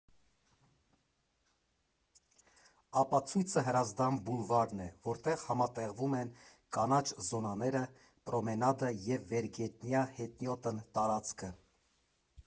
Ապացույցը՝ Հրազդան բուլվարն է, որտեղ համատեղվում են կանաչ զոնաները, պրոմենադը և վերգետնյա հետիոտն տարածքը։